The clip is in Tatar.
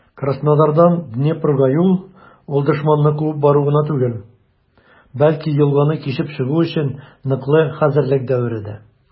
Краснограддан Днепрга юл - ул дошманны куып бару гына түгел, бәлки елганы кичеп чыгу өчен ныклы хәзерлек дәвере дә.